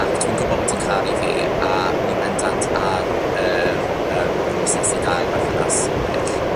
Ac dwi'n gwbod bod 'i'n caru fi a ni bendant ar yr yym broses i ga'l berthynas well.